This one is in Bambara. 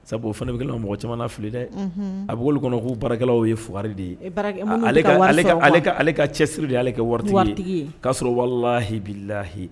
Sabu o fana bɛkɛlaw mɔgɔ caman fili dɛ a bɛ olu kɔnɔ'u barakɛlaw ye f de ye ale ka cɛsiri de ye ale kɛ waritigitigi kaa sɔrɔ walalahibilahi